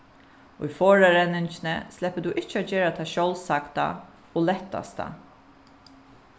í forðarenningini sleppur tú ikki at gera tað sjálvsagda og lættasta